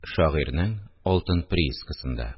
Шагыйрьнең алтын приискасында